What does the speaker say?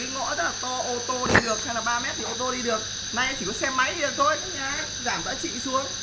cái ngõ rất là to ô tô đi được hay là ba mét thì ô tô đi được nay chỉ có xe máy đi được thôi cái nhà đấy giảm giá trị xuống